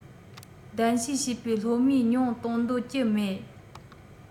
གདན ཞུས བྱས པའི སློབ མའི ཉུང གཏོང འདོད ཀྱི མེད